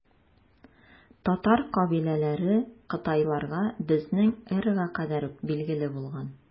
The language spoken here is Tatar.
Татар кабиләләре кытайларга безнең эрага кадәр үк билгеле булган.